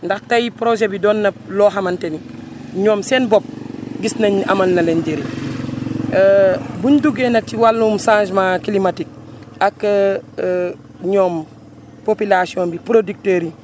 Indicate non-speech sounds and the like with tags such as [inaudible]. ndax tey projet bi doon na loo xamante ni [noise] ñoom seen bopp gis nañu amal na leen njëriñ [noise] [hesitation] buñ duggee nag ci wàllum changement climatique [noise] ak [hesitation] ñoom population bi producteurs yi